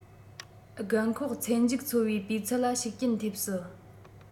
རྒན འཁོགས ཚེ མཇུག འཚོ བའི སྤུས ཚད ལ ཤུགས རྐྱེན ཐེབས སྲིད